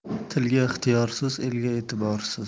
tilga ixtiyorsiz elga e'tiborsiz